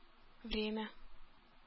Время